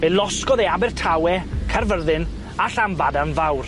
Fe losgodd e Abertawe, Carfyrddin, a Llanbadarn Fawr.